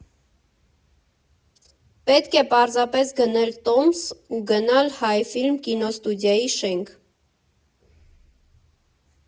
Պետք է պարզապես գնել տոմս ու գնալ Հայֆիլմ կինոստուդիայի շենք։